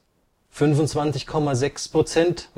25,6 %